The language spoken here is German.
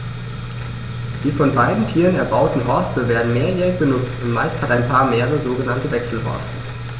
Die von beiden Tieren erbauten Horste werden mehrjährig benutzt, und meist hat ein Paar mehrere sogenannte Wechselhorste.